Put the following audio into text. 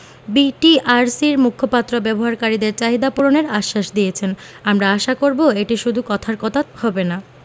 বিটিআরসির মুখপাত্র ব্যবহারকারীদের চাহিদা পূরণের আশ্বাস দিয়েছেন আমরা আশা করব এটা শুধু কথার কথা হবে না